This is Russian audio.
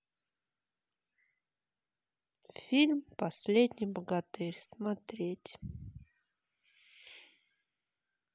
фильм последний богатырь смотреть